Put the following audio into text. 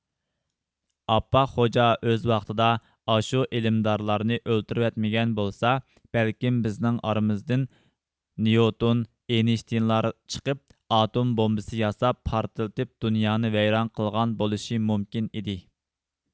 ئاپئاق غوجا ئۆز ۋاقتىدا ئاشۇ ئىلىمدارلارنى ئۆلتۈرىۋەتمىگەن بولسا بەلكىم بىزنىڭ ئارىمىزدىن نىيوتون ئېينىشتىيىنلار چىقىپ ئاتوم بومبىسى ياساپ پارتلىتىپ دۇنيانى ۋەيران قىلغان بولۇشى مۇمكىن ئىدى